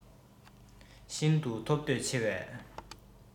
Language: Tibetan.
ཤིན ཏུ ཐོབ འདོད ཆེ བས